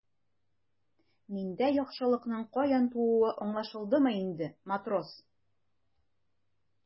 Миндә яхшылыкның каян тууы аңлашылдымы инде, матрос?